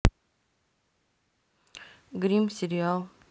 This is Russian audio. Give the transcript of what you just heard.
грим сериал